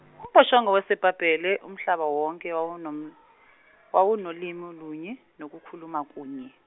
umbhoshongo waseBhabhele, Umhlaba wonke wawuno- wawunolimi lunye, nokukhuluma kunye.